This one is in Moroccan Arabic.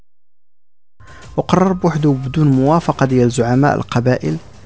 اقرب وحده بدون موافقه يا زعماء القبائل